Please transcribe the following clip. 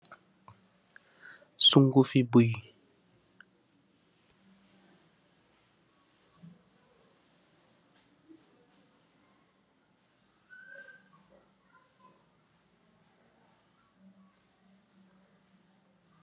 Suungufi buuy